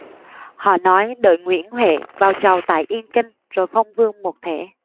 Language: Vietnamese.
họ nói đợi nguyễn huệ vào chầu tại yên kinh rồi phong vương một thể